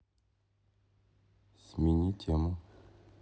смени тему